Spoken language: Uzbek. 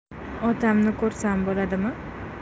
otamni ko'rsam bo'ladimi